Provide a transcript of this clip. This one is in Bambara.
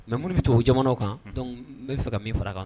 Mais minnu be tuwawu jamanaw kan unhun donc n be fɛ ka min far'a kan